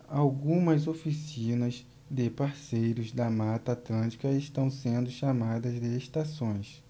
algumas oficinas de parceiros da mata atlântica estão sendo chamadas de estações